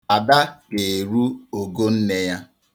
Ada ga-eru ogo nne ya.